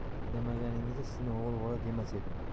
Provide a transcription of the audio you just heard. qidirmaganingizda sizni o'g'il bola demas edim